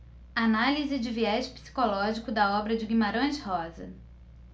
análise de viés psicológico da obra de guimarães rosa